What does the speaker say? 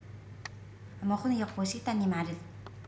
དམག དཔོན ཡག པོ ཞིག གཏན ནས མ རེད